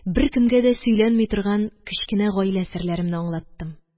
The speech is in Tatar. Беркемгә дә сөйләнми торган кечкенә гаилә серләремне аңлаттым